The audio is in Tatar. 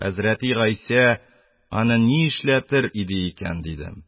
Хәзрәте гыйса аны ни эшләтер иде икән, дидем.